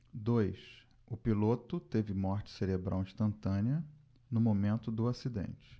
dois o piloto teve morte cerebral instantânea no momento do acidente